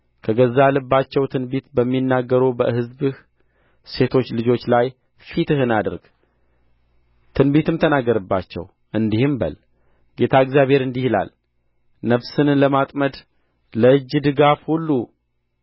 ከገዛ ልባቸው ትንቢት በሚናገሩ በሕዝብህ ሴቶች ልጆች ላይ ፊትህን አድርግ ትንቢትም ተናገርባቸው እንዲህም በል ጌታ እግዚአብሔር እንዲህ ይላል ነፍስን ለማጥመድ ለእጅ ድጋፍ ሁሉ